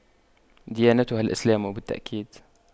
ديانتها الإسلام بالتأكيد